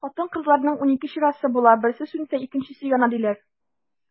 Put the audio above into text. Хатын-кызларның унике чырасы була, берсе сүнсә, икенчесе яна, диләр.